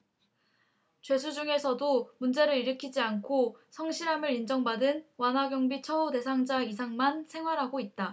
죄수 중에서도 문제를 일으키지 않고 성실함을 인정받은 완화경비 처우 대상자이상만 생활하고 있다